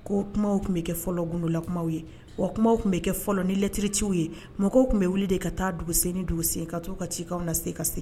Ko kumaw tun bɛ kɛ fɔlɔ gundolakumaw ye wa kumaw tun bɛ kɛ fɔlɔ lettre ciw ye mɔgɔw tun bɛ wuli de ka taa dugusen ni dugusen ka t'u ka cikaw lase ka segin